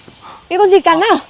bị con gì cắn à